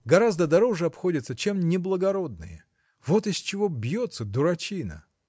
– гораздо дороже обходятся, чем неблагородные. Вот из чего бьется, дурачина!